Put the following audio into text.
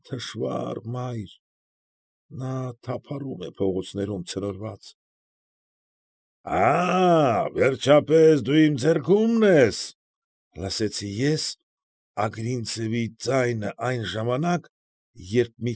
Թշվա՜ռ մայր… նա այժմ թափաոում է փողոցներում՝ ցնորված… ֊ Աա՜, վերջապես դու իմ ձեռքումն ես,֊ լսեցի ես Ագրինցևի ձայնը այն ժամանակ, երբ մի։